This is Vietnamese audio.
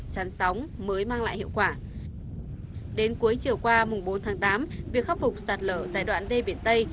chắn sóng mới mang lại hiệu quả đến cuối chiều qua mùng bốn tháng tám việc khắc phục sạt lở tại đoạn đê biển tây